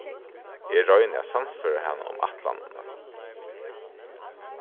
eg royni at sannføra hana um ætlanina